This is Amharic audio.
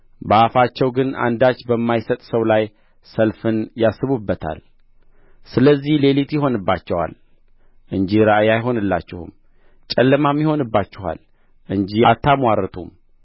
በአፋቸው ግን አንዳች በማይሰጥ ሰው ላይ ሰልፍን ያስቡበታል ስለዚህ ሌሊት ይሆንባችኋል እንጂ ራእይ አይሆንላችሁም ጨለማም ይሆንባችኋል እንጂ አታምዋርቱም